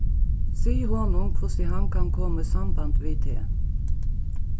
sig honum hvussu hann kann koma í samband við teg